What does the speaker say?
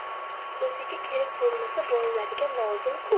o'ziga kerak bo'lmasa bolalariga lozim ku